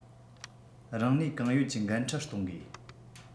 རང ནུས གང ཡོད ཀྱི འགན འཁྲི གཏོང དགོས